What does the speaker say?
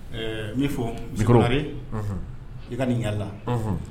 Ɛɛ' fɔre i ka nin yaala